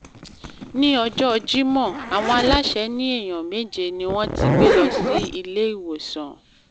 Ní ọjọ́ Jímọ̀, àwọn aláṣẹ ní èèyàn méje ni wọ́n ti gbé lọ sí ilé-ìwòsàn.